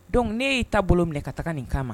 Donc ne yi ta bolo minɛ ka taga nin kama